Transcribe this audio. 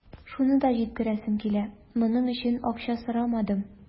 Шуны да җиткерәсем килә: моның өчен акча сорамадым.